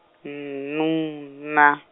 nu- na.